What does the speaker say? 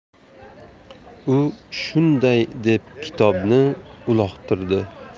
u shunday deb kitobni uloqtirdi